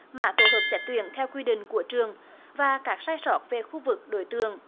mã tổ hợp xét tuyển theo quy định của trường và các sai sót về khu vực đối tượng